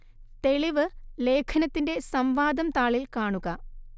തെളിവ് ലേഖനത്തിന്റെ സംവാദം താളിൽ കാണുക